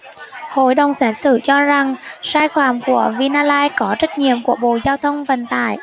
hội đồng xét xử cho rằng sai phạm của vinalines có trách nhiệm của bộ giao thông vận tải